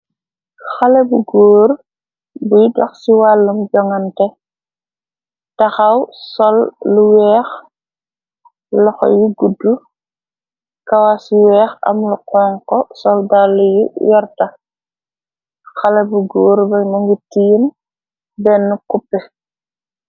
xale bu góor buy dax ci wàllam jonante taxaw sol lu weex loxo yi gudd kawa ci weex amla qenko soldalu yi werta xale bu góor bay na ngi tiin benn cupe